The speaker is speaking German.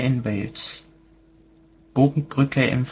die Brücke